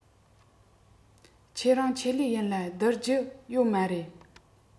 ཁྱེད རང ཆེད ལས ཡིན ལ བསྡུར རྒྱུ ཡོད མ རེད